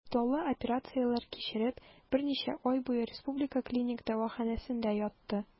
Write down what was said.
Катлаулы операцияләр кичереп, берничә ай буе Республика клиник дәваханәсендә ятты.